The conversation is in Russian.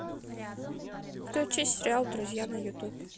включи сериал друзья на ютуб